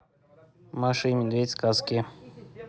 маша и медведь сказки